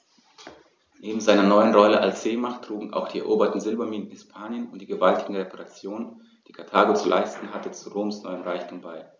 Neben seiner neuen Rolle als Seemacht trugen auch die eroberten Silberminen in Hispanien und die gewaltigen Reparationen, die Karthago zu leisten hatte, zu Roms neuem Reichtum bei.